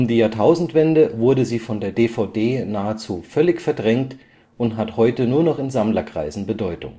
Jahrtausendwende wurde sie von der DVD nahezu völlig verdrängt und hat heute nur noch in Sammlerkreisen Bedeutung